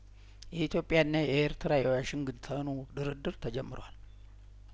የኢትዮጵያ ና የኤርትራ የዋሽንግተኑ ድርድር ተጀምሯል